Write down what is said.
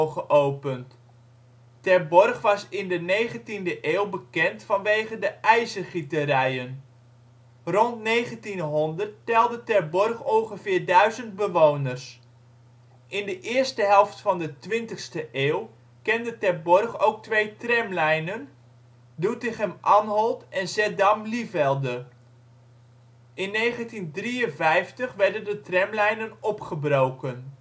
geopend. Terborg was in de 19e eeuw bekend vanwege de ijzergieterijen. Rond 1900 telde Terborg ongeveer 1000 bewoners. In de eerste helft van de 20e eeuw kende Terborg ook twee tramlijnen (Doetinchem - Anholt (D) en Zeddam - Lievelde). In 1953 werden de tramlijnen opgebroken